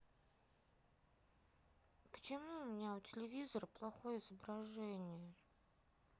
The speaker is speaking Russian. почему у меня телевизора плохое изображение